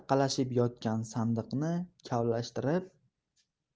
qalashib yotgan sandiqni kavlashtirib